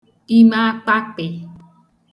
imeakpapị̀